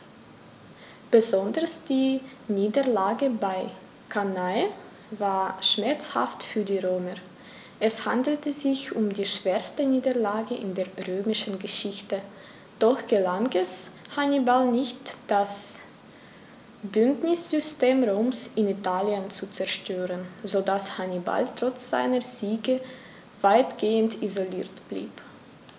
Besonders die Niederlage bei Cannae war schmerzhaft für die Römer: Es handelte sich um die schwerste Niederlage in der römischen Geschichte, doch gelang es Hannibal nicht, das Bündnissystem Roms in Italien zu zerstören, sodass Hannibal trotz seiner Siege weitgehend isoliert blieb.